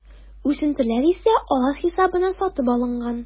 Үсентеләр исә алар хисабына сатып алынган.